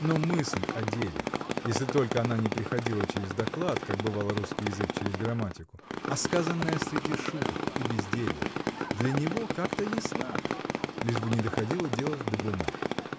Но мысль о деле, если только она не проходила через доклад, как бывало русский язык через грамматику, а сказанная среди шуток и безделья, для него как-то ясна, лишь бы не доходило дело до бумаг.